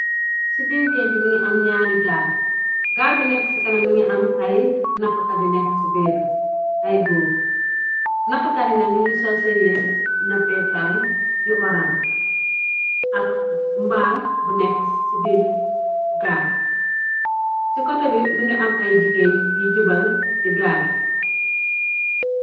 ci biir géej bi mi ngi am ñaari gaar gaal bi nekk ci kana mi ngi am ay nappkat yi nekk ci biira ay góor nappkati nak ni ngi sol seyire nappekaay yu orang ak mbaal bu nekk ci biir gaal b ci kota bi mi nga am ay jigéen yi jubal ci gaal bi